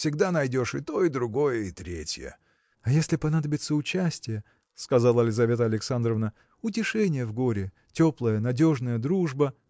всегда найдешь и то, и другое, и третье. – А если понадобится участие – сказала Лизавета Александровна – утешение в горе теплая надежная дружба.